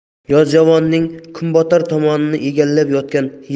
yozyovonning kunbotar tomonini egallab yotgan